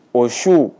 O su